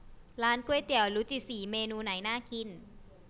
ร้านก๋วยเตี๋ยวรุจิศรีเมนูไหนน่ากิน